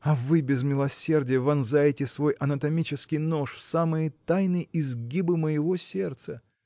а вы без милосердия вонзаете свой анатомический нож в самые тайные изгибы моего сердца.